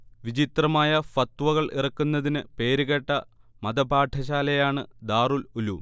വിചിത്രമായ ഫത്വകൾ ഇറക്കുന്നതിന് പേര് കേട്ട മതപാഠശാലയാണ് ദാറുൽഉലൂം